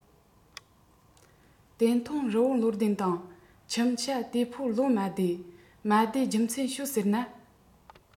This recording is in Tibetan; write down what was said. དེ མཐོང རི བོང བློ ལྡན དང ཁྱིམ བྱ དེ ཕོ བློ མ བདེ མ བདེའི རྒྱུ མཚན ཤོད ཟེར ན